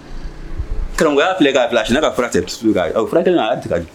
Karamɔgɔgoya k'a bila ka furakɛ tɛ furakɛ tɛ